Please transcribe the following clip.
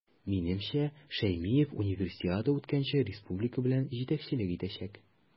Минемчә, Шәймиев Универсиада үткәнче республика белән җитәкчелек итәчәк.